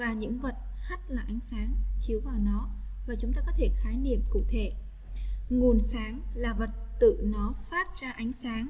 và những vật hát lại ánh sáng chiếu vào nó và chúng ta phát triển khái niệm cụ thể nguồn sáng là vật tự nó phát ra ánh sáng